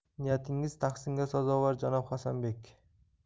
niyatingiz tahsinga sazovor janob hasanbek